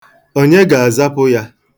Onye ga-azapụ ya?